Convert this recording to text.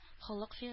Холык-фигыль